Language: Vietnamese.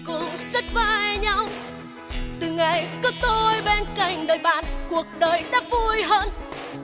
cùng sát vai nhau từ ngày có tôi bên cạnh đời bạn cuộc đời đã vui hơn